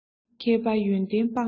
མཁས པ ཡོན ཏན དཔག མེད ཀྱང